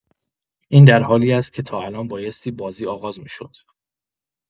این در حالی است که تا الان بایستی بازی آغاز می‌شد